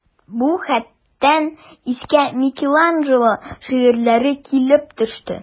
Бу җәһәттән искә Микеланджело шигырьләре килеп төште.